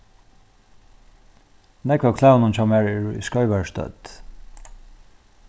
nógv av klæðunum hjá mær eru í skeivari stødd